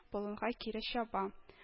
Болынга кире чаба